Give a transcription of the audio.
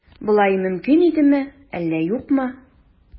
Болай мөмкин идеме, әллә юкмы?